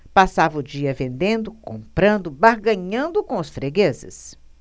passava o dia vendendo comprando barganhando com os fregueses